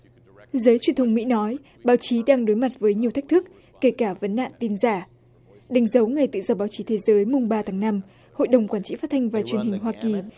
giới truyền thông mỹ nói báo chí đang đối mặt với nhiều thách thức kể cả vấn nạn tin giả đánh dấu nghề tự do báo chí thế giới mùng ba tháng năm hội đồng quản trị phát thanh và truyền hình hoa kỳ